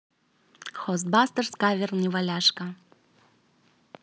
ghostbusters кавер неваляшка